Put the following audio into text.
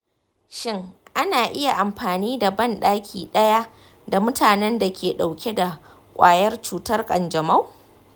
shin ana iya amfani da banɗaki ɗaya da mutanen da ke ɗauke da ƙwayar cutar kanjamau?